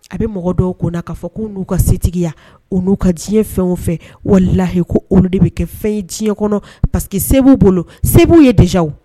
A bɛ mɔgɔ dɔw ko na k'a fɔ ko n'u ka setigiya u n'u ka diɲɛ fɛnw fɛ wala layi ko olu de bɛ kɛ fɛn diɲɛ kɔnɔ pa que segu bolo sewu ye dezw